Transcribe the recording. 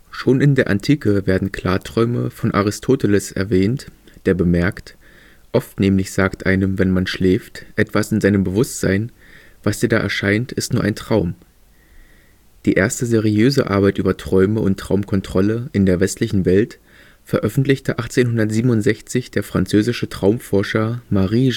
Schon in der Antike werden Klarträume von Aristoteles erwähnt, der bemerkt: „ oft nämlich sagt einem, wenn man schläft, etwas in seinem Bewusstsein: Was dir da erscheint, ist nur ein Traum “. Die erste seriöse Arbeit über Träume und Traumkontrolle in der westlichen Welt veröffentlichte 1867 der französische Traumforscher Marie